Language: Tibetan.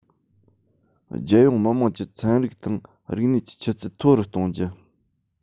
རྒྱལ ཡོངས མི དམངས ཀྱི ཚན རིག དང རིག གནས ཀྱི ཆུ ཚད མཐོ རུ གཏོང རྒྱུ